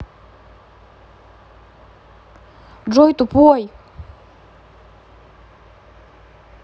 джой тупой